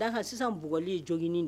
Ka da ka sisan bugɔli ye jokinni ye.